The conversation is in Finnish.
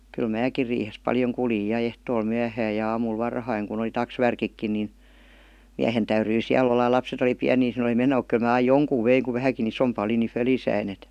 kyllä minäkin riihessä paljon kuljin ja ehtoolla myöhään ja aamulla varhain kun oli taksvärkitkin niin miehen täytyi siellä olla ja lapset oli pieniä sinne oli meno mutta kyllä minä aina jonkun vein kun vähänkin isompi oli niin fölissäni että